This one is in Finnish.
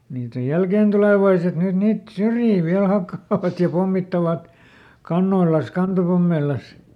niitä on jälkeentulevaiset nyt niitä syrjiä vielä hakkaavat ja pommittavat kannoillansa kantopommeillansa